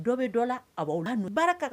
Dɔ bɛ dɔ la a b'aw la baara